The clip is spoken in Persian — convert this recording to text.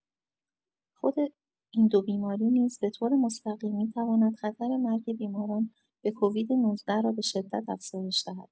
خود این دو بیماری نیز به‌طور مستقیم می‌تواند خطر مرگ بیماران به کووید- ۱۹ را به‌شدت افزایش دهد.